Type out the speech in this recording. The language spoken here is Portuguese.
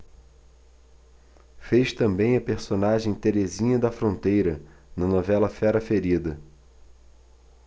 fez também a personagem terezinha da fronteira na novela fera ferida